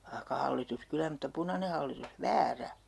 vaikka hallitus kyllä mutta punainen hallitus väärä